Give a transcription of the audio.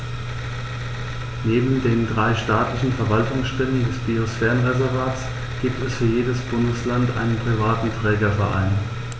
Neben den drei staatlichen Verwaltungsstellen des Biosphärenreservates gibt es für jedes Bundesland einen privaten Trägerverein.